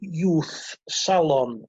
youth salon